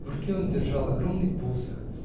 в руке он держал огромный посох.